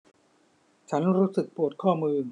ฉันรู้สึกปวดข้อมือ